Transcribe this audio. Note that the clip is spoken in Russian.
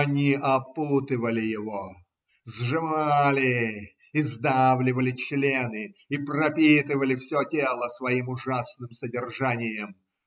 они опутывали его, сжимали и сдавливали члены и пропитывали все тело своим ужасным содержанием.